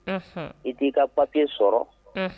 I tɛ ii ka papi sɔrɔ